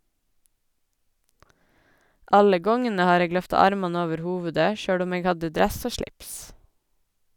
Alle gongene har eg løfta armane over hovudet, sjølv om eg hadde dress og slips.